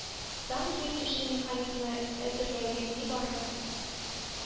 Танк йөртүче механикны әзерләүгә нибары